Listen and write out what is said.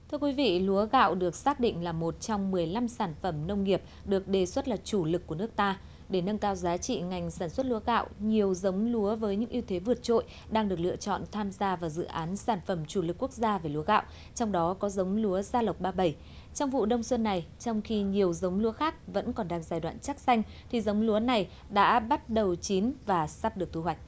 thưa quý vị lúa gạo được xác định là một trong mười lăm sản phẩm nông nghiệp được đề xuất là chủ lực của nước ta để nâng cao giá trị ngành sản xuất lúa gạo nhiều giống lúa với những ưu thế vượt trội đang được lựa chọn tham gia vào dự án sản phẩm chủ lực quốc gia về lúa gạo trong đó có giống lúa gia lộc ba bẩy trong vụ đông xuân này trong khi nhiều giống lúa khác vẫn còn đang giai đoạn chắc xanh thì giống lúa này đã bắt đầu chín và sắp được thu hoạch